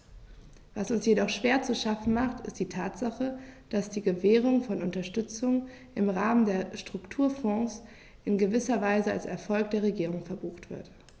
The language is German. Was uns jedoch schwer zu schaffen macht, ist die Tatsache, dass die Gewährung von Unterstützung im Rahmen der Strukturfonds in gewisser Weise als Erfolg der Regierung verbucht wird.